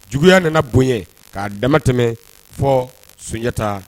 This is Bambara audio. Juguya nana bonya k'a damatɛ fɔ sunjatayɛta